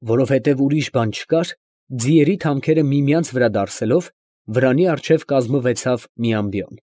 Որովհետև ուրիշ բան չկար, ձիերի թամքերը միմյանց վրա դարսելով, վրանի առջև կազմվեցավ մի ամբիոն։